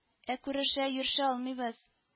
Ә күрешә, йөрешә алмыйбыз